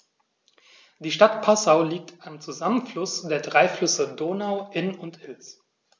Die Stadt Passau liegt am Zusammenfluss der drei Flüsse Donau, Inn und Ilz.